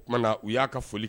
O kumana na u y'a ka foli kɛ